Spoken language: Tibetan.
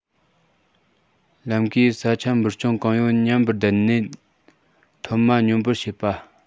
ལམ གའི ས ཆ འབུར ཀྱོང གང ཡོད མཉམ པར བརྡལ ནས མཐོ དམའ སྙོམས པོ བྱས པ